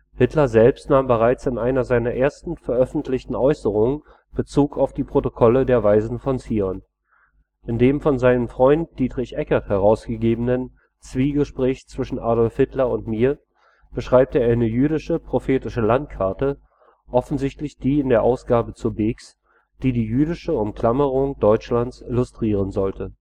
Hitler selbst nahm bereits in einer seiner ersten veröffentlichten Äußerungen Bezug auf die Protokolle der Weisen von Zion: In den von seinem Freund Dietrich Eckart herausgegebenen „ Zwiegespräch zwischen Adolf Hitler und mir “beschreibt er eine „ jüdische prophetische Landkarte “– offensichtlich die in der Ausgabe zur Beeks, die die jüdische Umklammerung Deutschlands illustrieren sollte